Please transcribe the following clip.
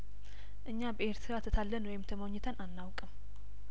እኛ በኤርትራ ተታለን ወይም ተሞኝተን አናውቅም